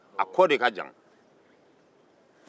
a kɔ de ka jan